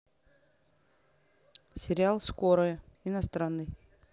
сериал скорая иностранный